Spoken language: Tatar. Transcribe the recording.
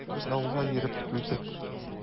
Без ауга йөреп туйдык.